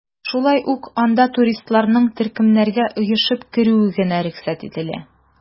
Шулай ук анда туристларның төркемнәргә оешып керүе генә рөхсәт ителә.